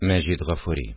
Мәҗит Гафури